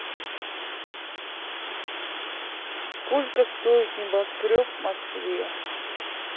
сколько стоит небоскреб в москве